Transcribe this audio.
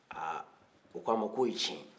aa u k'a ma k'o ye tiɲɛ ye